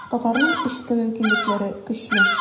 Татарның эчке мөмкинлекләре көчле.